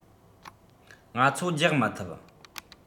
ང ཚོ རྒྱག མི ཐུབ